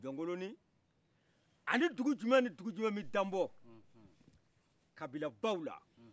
jɔkoloni ani dugu jumɛ ni dugu jumɛ be danbɔ kabilabaw la